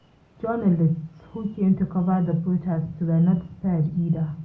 Journalists who came to cover the protest were not spared either.